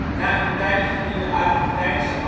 Na een tijdje in de Argentijnse